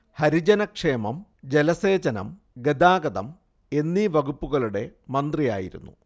ഹരിജനക്ഷേമം ജലസേചനം ഗതാഗതം എന്നീ വകുപ്പുകളുടെ മന്ത്രിയായിരുന്നു